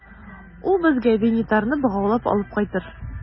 Ул безгә Винитарны богаулап алып кайтыр.